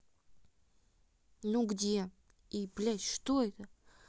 ну где и блядь это что